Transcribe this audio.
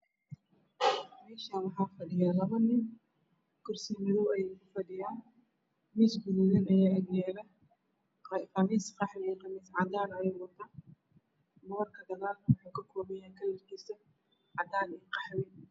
Meeshan waxaa fadhiyo labo nin kurisi madaw ah ayaay ku fadhiyaan miis gududan ayaa agyaala khamis qaxwi ah iyo khamiis cadaan ah ayay wataan moorka gadaalna wuxuu kakoban yahay midabkiisa cadaan iyo qaxwi